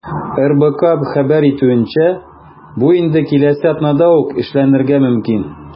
РБК хәбәр итүенчә, бу инде киләсе атнада ук эшләнергә мөмкин.